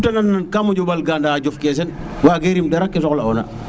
waage rim dara ke sox la ona